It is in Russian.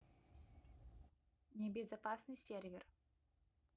небезопасный сервер